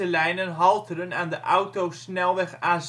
lijnen halteren aan de autosnelweg A7